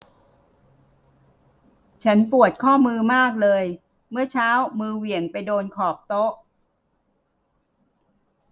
ฉันปวดข้อมือมากเลยเมื่อเช้ามือเหวี่ยงไปโดนขอบโต๊ะ